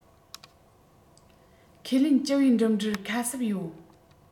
ཁས ལེན སྤྱི པའི འགྲིམ འགྲུལ ཁ གསབ ཡོད